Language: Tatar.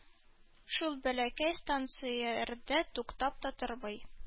Шул бәләкәй станцияләрдә туктап та тормый.